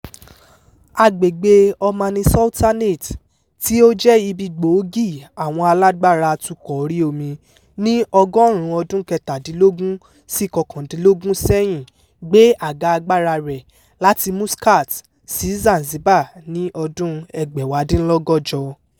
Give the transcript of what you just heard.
Agbègbèe Omani Sultanate, tí ó jẹ́ " ibi gbòógì àwọn alágbára atukọ̀ orí omi ní ọgọ́rùn-ún Ọdún-un kẹtàdínlógún sí kọkàndínlógún sẹ́yìn", gbé àga agbára rẹ̀ láti Muscat sí Zanzibar ní ọdún-un 1840.